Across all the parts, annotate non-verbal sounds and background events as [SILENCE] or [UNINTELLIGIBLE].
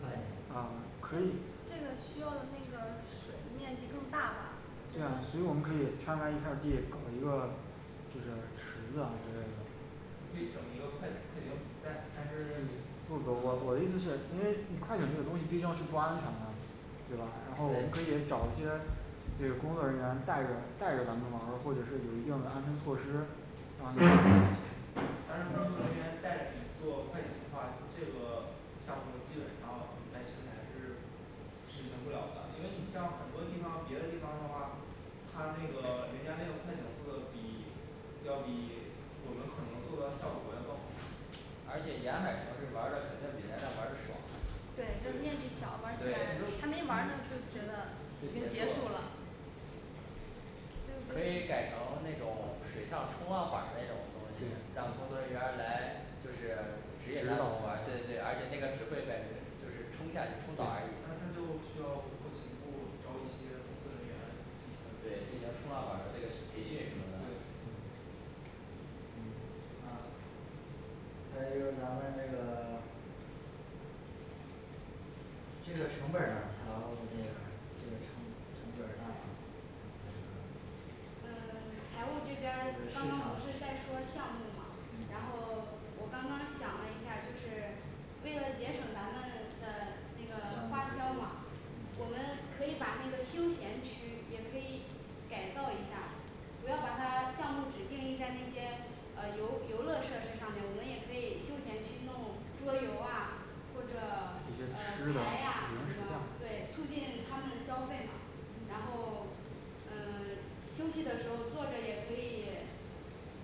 快艇啊可以这个需要那个水面积更大吧对啊所以我们可以穿插一块地有一个就是池港之类的你可以整一个快艇做一个比赛但是你不不我我的意思是因为嗯快艇这个东西毕竟是不安全的对吧？然后我们可以找一些这个工作人员，带着带着咱们玩儿或者是有一定的安全措施但是工作人员带着你坐快艇的话这个项目基本上暂时在邢台是实行不了的因为你这样很多地方别的地方的话他那个 [SILENCE] 人家那个快艇做的比 [SILENCE] 要比我们可能做的效果要更好而且沿海城市玩的肯定比咱这玩儿的爽对他就是面积小嘛对还没玩儿呢就觉得已就经结结束束了了就可是可以以改成那种水上冲浪板儿那种东西，对让工作人员儿来就是指指引他们怎导么玩儿对对对，而且那个只会把人就是冲下去冲倒而已那他就需要不同步招一些工作人员进行对对进行冲浪板儿的这个培训什么的嗯嗯那还有就是咱们这个 [SILENCE] 这个成本儿呢财务部这边儿这个成成本儿大吗他说的呃 [SILENCE] 财务这边刚刚不是在说项目吗然嗯后我刚刚想了一下就是为了节省咱们的那个花销吗，我们可以把那个休闲区也可以改造一下不要把它项目指定在那些呃游游乐设施上面，我们也可以休闲区弄桌游啊或者一些吃呃的牌啊什么对促进他们消费嘛然后呃 [SILENCE] 休息的时候坐着也可以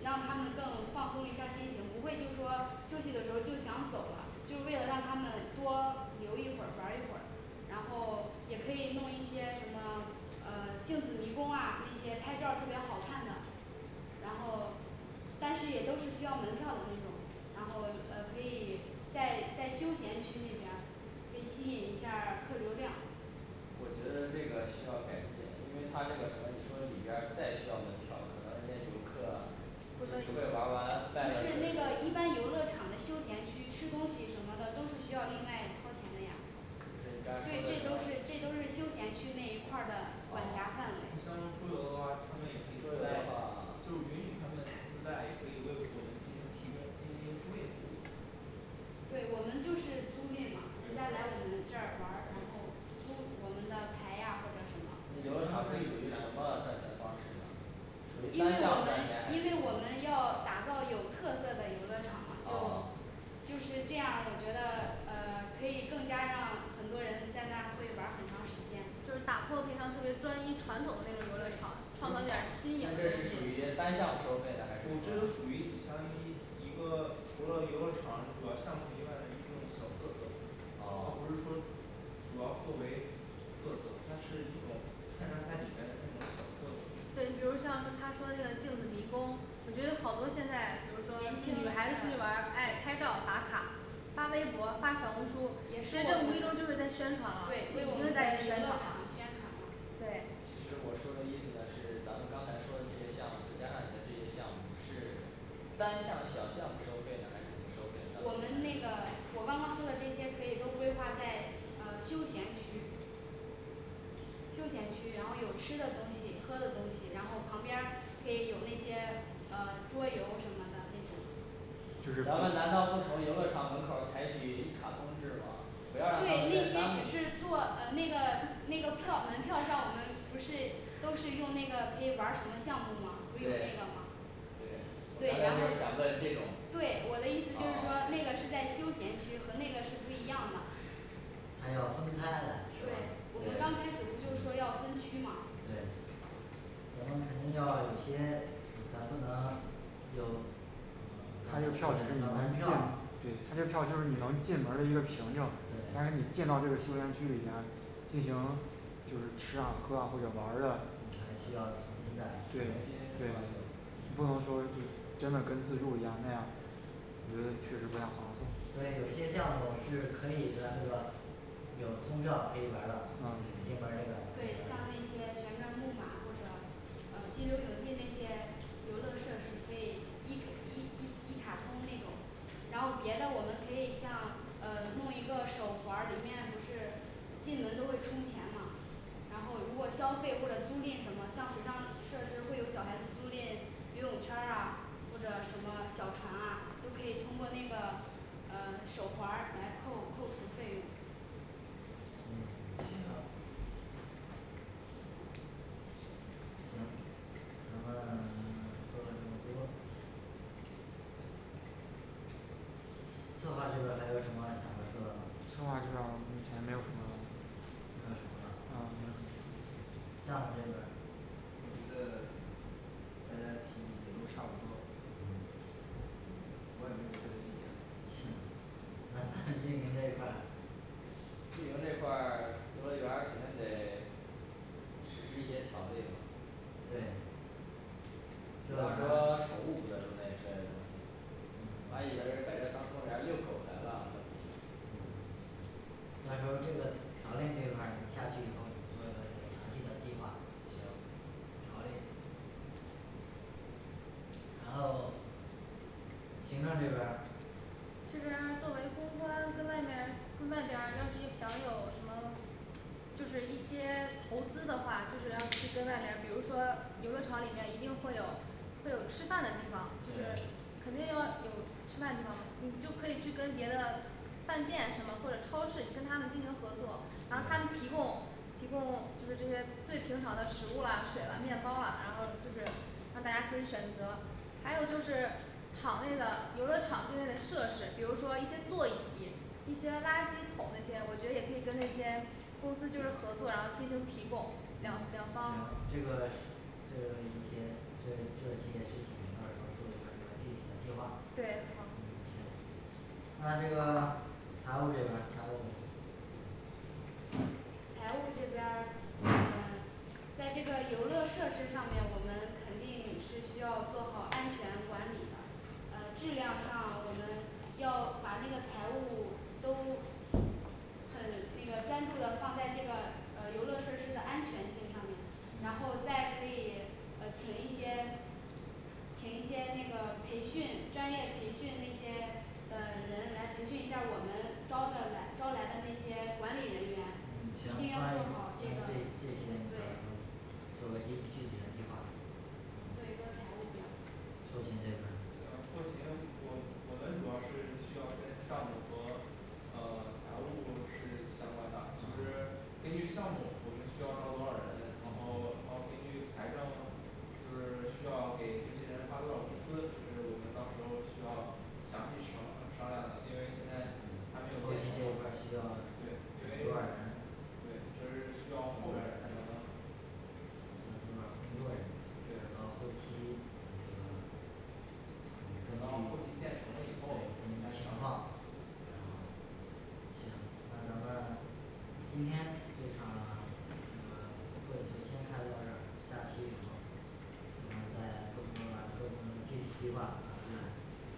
让他们更放松一下儿心情，不会就说休息的时候就想走了，就为了让他们多留一会儿玩一会儿，然后也可以弄一些什么呃镜子迷宫啊那些拍照特别好看的然后但是也都是需要门票的那种，然后呃可以在在休闲区那边儿可以吸引一下儿客流量我觉得这个需要改进，因为他这个什么你说？里边儿再需要门票，可能人家游客啊不乐也只会玩意完外面不设是那施个一般游乐场的休闲区吃东西什么的都是需要另外掏钱的呀不是你刚才对这说都的什么是这都是休闲区那一块儿的管辖范啊围像桌游的话他们也不桌游会的话不允许他们自带也可以由我们进行提供做一些规定对，我们就是租赁嘛人家来我们这玩儿，然后租我们的牌呀或者什么那游乐场是属于什么赚钱方式呢属于因为我单项赚钱还们是因为我们要打造有特色的游乐场嘛就噢 [SILENCE] 就是这样我觉得呃可以更加让很多人在那会玩儿很长时间就是打破平常特别专一传统那种游乐场对创造点儿吸引那这是属于单向收费的还是不什这么就噢 [SILENCE] 属于相当于一个除了游乐场主要项目以外的一种小特色它不是说主要作为特色，它是一种穿插在里面的那种小特色对你比如像他说的那个镜子迷宫我觉得好多现在比如说女孩子出去玩儿爱拍照打卡，发微博发小红书，其实我跟你说就是在宣传了为对为我我们们游游乐乐场场宣宣传传了了对其实我说的意思是咱们刚才说的那些项目，再加上你的这些项目是单项小项目收费呢还是怎么收费的我咱们那们个我刚刚说的这些可以都规划在呃休闲区休闲区，然后有吃的东西喝的东西，然后旁边儿可以有那些呃桌游什么的那种就是咱们难道不从游乐场门口儿采取一卡通制吗不对要让他那们些再只是耽误做呃那个那个票门票上我们不是都是用那个可以玩儿什么项目吗规定那个吗对对对我刚才就是想咱问这种对我的意思就是说那个是噢在休闲区和那个是不一样的它要分开来是吧对我们刚开对始就是说要嗯分区对我们肯定要有些就咱不能有他嗯这不个只票只是是能门进票对他这个票就是你能进门儿的一个凭证但是你对进到这个休闲区里面进行就是吃啊喝啊或者玩的还需要重新再对有来一些这种不能说就真的跟自助一样那样我觉得确实不太方便所以有些项目是可以咱那个有通票可以玩儿的嗯进嗯门 [SILENCE] 对你这个像那些旋转木马或者呃激流勇进那些游乐设施，可以一卡 [UNINTELLIGIBLE] 一一一卡通那种，然后别的我们可以像呃弄一个手环儿里面不是进门都会充钱嘛然后如果消费或者租赁什么像水上设施会有小孩子租赁游泳圈儿啊或者什么小船啊都可以通过那个呃手环儿来扣扣除费用嗯行行咱们 [SILENCE] 做个整体规划策划这边儿还有什么想要说的吗策划这边儿目前没有什么没有什么噢没有什么项目这边儿我觉得大家提议都差不多嗯嗯 [SILENCE] 我也没有什么注意的行那那运营这一块儿 [NOISE] 运营这块儿游乐园儿肯定得实施一些条例吧对比方说宠物不得入内之类的东西还有嗯 [SILENCE] 的人把这当公园遛狗来了，那不行嗯 [SILENCE] 到时候儿这个条令这一块儿你下去以后，你做一个这个详细的计划行好嘞然后行政这边儿这边儿作为公关跟外面儿跟外边儿要是想有什么就是一些投资的话，就是要去跟外面儿，比如说游乐场里面一定会有会有吃饭的地方对肯定要有吃饭的地方你就可以去跟别的饭店什么或者超市你跟他们进行合作，然后他们提对供提供就是这些最平常的食物啊，水了面包嗯了，然后就是让大家可以选择还有就是场内的游乐场之类的设施，比如说一些座椅一些垃圾桶那些，我觉得也可以跟那些公司就是合作，然后进行提供两行两方这个是 [UNINTELLIGIBLE] 这个一些这这些事情你到时候儿做一个这个具体的计划对好嗯行那这个财务这边儿财务财务这边儿呃 [SILENCE] 在这个游乐设施上面，我们肯定是需要做好安全管理的呃质量上我们要把那个财务都很那个专注的放在这个呃游乐设施的安全性上面，然后再可以呃请一些请一些那个培训专业培训那些的人来培训一下儿我们招的来招来的那些管理人员嗯行一定要关于做你好这这个这这些到对时候儿做个具具体的计划对做嗯财务表后勤这边儿呃后勤我我们主要是需要跟项目和呃 [SILENCE] 财务部是相关的其实对项目我们需要招多少人然后然后根据财政就是需要给这些人发多少工资，就是我们到时候需要详细审核商量的因为现嗯在还没有后勤这块儿需要招对多因为少人对这是需要后面才能还有这个工作对人员然后后期像这个等到后期建成了以对后根据情况行。那咱们今天这场这个会就先开到这儿，下去以后我们在各部门儿把各部门的具体计划拿出来行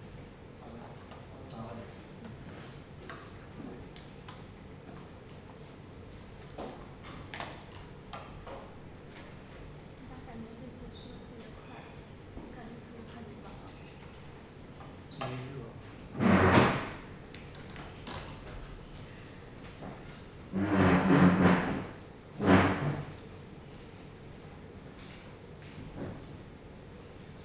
好的散会